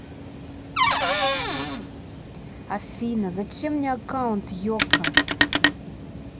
афина зачем мне аккаунт okko